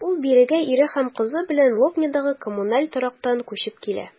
Ул бирегә ире һәм кызы белән Лобнядагы коммуналь торактан күчеп килә.